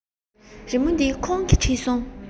རི མོ འདི ཁོང གིས བྲིས སོང